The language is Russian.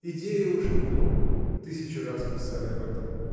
Идея уж не новая, – тысячу раз писали об этом.